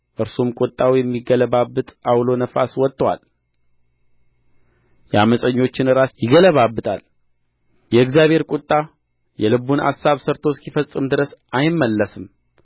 እርሱም ቍጣው የሚያገለባብጥ ዐውሎ ነፍስ ወጥቶአል የዓመፀኞችን ራስ ይገለባብጣል የእግዚአብሔር ቍጣ የልቡን አሳብ ሠርቶ እስኪፈጽም ድረስ አይመለስም